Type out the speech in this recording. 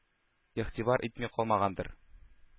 Игътибар итми калмагандыр: